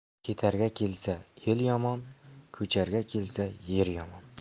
ketarga kelsa el yomon ko'charga kelsa yer yomon